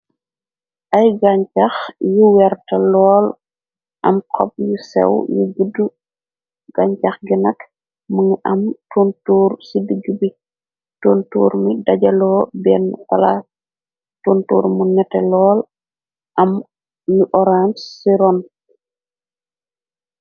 Ay gancax yu werta lool am xob yu sew yu guddu gancax ginak më ngi am tuntuur ci digg bi tuntuur mi dajaloo benn fala tuntuur mu nete lool am nu orange ci ron.